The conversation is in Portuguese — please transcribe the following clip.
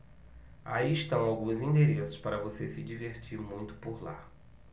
aí estão alguns endereços para você se divertir muito por lá